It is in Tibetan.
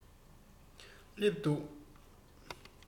སླེབས འདུག